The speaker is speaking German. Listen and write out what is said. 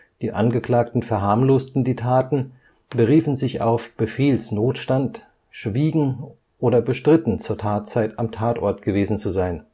Die Angeklagten verharmlosten die Taten, beriefen sich auf Befehlsnotstand, schwiegen oder bestritten, zur Tatzeit am Tatort gewesen zu sein